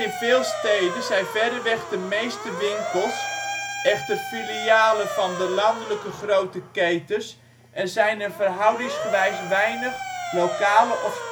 veel steden zijn verreweg de meeste winkels echter filialen van de landelijke grote ketens en zijn er verhoudingsgewijs weinig lokale of